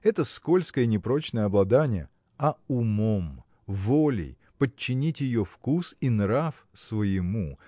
это скользкое и непрочное обладание а умом волей подчинить ее вкус и нрав своему